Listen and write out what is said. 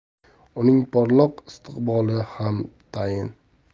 uning porloq istiqboli ham tayin